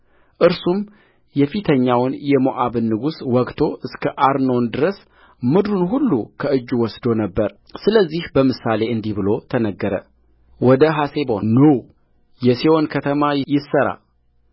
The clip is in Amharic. እርሱም የፊተኛውን የሞዓብን ንጉሥ ወግቶ እስከ አርኖን ድረስ ምድሩን ሁሉ ከእጁ ወስዶ ነበርስለዚህ በምሳሌ እንዲህ ተብሎ ተነገረሐሴቦን ኑየሴዎን ከተማ ይሠራ